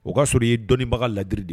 O k'a sɔrɔ i ye dɔnniibaga ladiri de